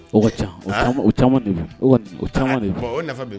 O ka ca, an o caman de o nafa bɛ min?